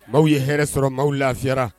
Maaw ye hɛrɛ sɔrɔ maaw lafiyara.